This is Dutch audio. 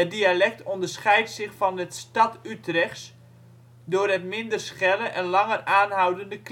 dialect onderscheidt zich van het Stad-Utrechts door het minder schelle en langer aanhoudende